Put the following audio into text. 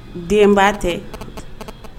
Denba tɛ